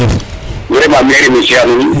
vraiment maxey remercier a nuun